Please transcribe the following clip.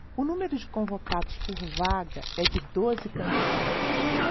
o número de convocados por vaga é de doze candidatos